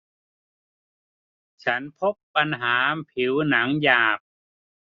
ฉันพบปัญหาผิวหนังหยาบ